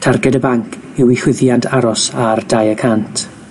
Targed y banc yw i chwyddiant aros ar dau y cant.